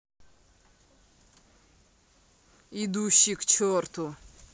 идущий к черту